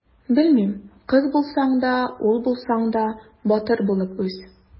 Белмим: кыз булсаң да, ул булсаң да, батыр булып үс!